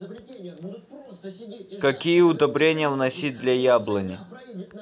какие удобрения вносить для яблони